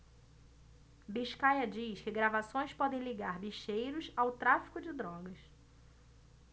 biscaia diz que gravações podem ligar bicheiros ao tráfico de drogas